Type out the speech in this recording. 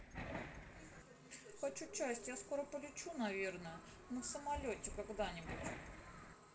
хочу часть я скоро я полечу наверное на в самолете когда нибудь